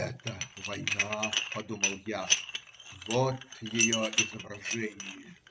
"Это война, - подумал я,- вот ее, изображение".